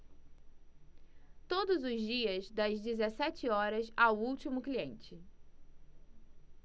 todos os dias das dezessete horas ao último cliente